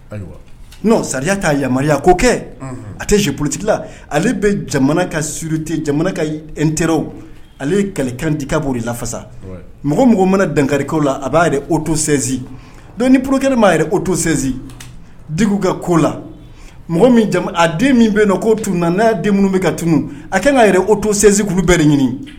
Sariya'a yamaruya ko kɛ a tɛ si porotila ale bɛ jamana ka ste jamana ka teri ale ye kalikan ka bɔ lafasa mɔgɔ mɔgɔ mana dankarikaw la a b'a yɛrɛ otosensin ni porokɛle ma yɛrɛ otosensin d ka ko la mɔgɔ a den min bɛ k'o tun na n'a den minnu bɛ ka tunun a kana n'a yɛrɛ o tosensinkuru bɛɛ ɲini